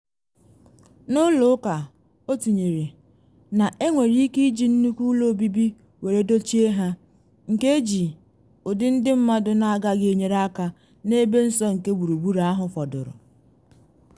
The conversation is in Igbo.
Ndị ụlọ ụka, o tinyere, na enwere ike iji nnukwu ụlọ obibi nwere dochie ha, nke eji ụdị ndị mmadụ na agaghị enyere aka n’ebe nsọ nke gburugburu ahụ fọdụrụ.